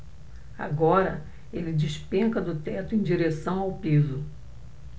agora ele despenca do teto em direção ao piso